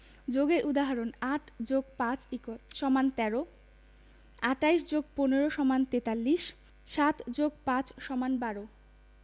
যোগের উদাহরণঃ ৮ + ৫ = ১৩ ২৮ + ১৫ = ৪৩ ৭+৫ = ১২